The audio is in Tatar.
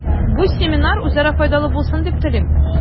Бу семинар үзара файдалы булсын дип телим.